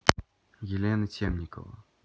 елена темникова